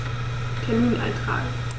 Termin eintragen